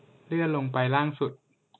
เลื่อนลงไปล่างสุด